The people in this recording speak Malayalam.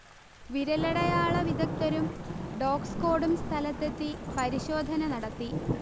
വിരലടയാള വിധഗ്ധരും ഡോഗ്സ്ക്വാഡും സ്ഥലത്ത്എത്തി പരിശോധന നടത്തി